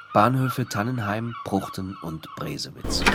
Bahnhöfe Tannenheim, Pruchten und Bresewitz